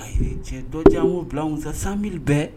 Ayi cɛ dɔjanmu bilasa san mi bɛɛ